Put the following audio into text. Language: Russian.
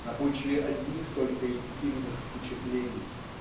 на почве одних только интимных впечатлений.